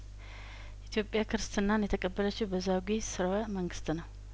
ኢትዮጵያ ክርስትናን የተቀበለችው በዛጔ ስርወ መንግስት ነው